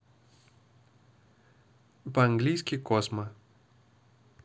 по английски космо